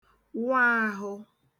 wụ àhụ